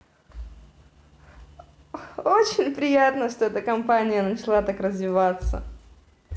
очень приятно что эта компания начала так развиваться